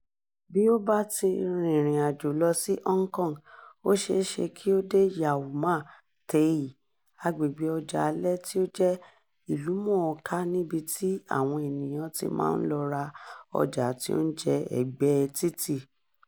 Bí o bá ti rìnrìn àjò lọ sí Hong Kong, o ṣe é ṣe kí o dé Yau Ma Tei, agbègbè ọjà alẹ́ tí ó jẹ́ ìlúmọ̀nánká níbi tí àwọn ènìyàn ti máa ń lọ ra ọjà àti oúnjẹ ẹ̀gbẹ́ẹ títì.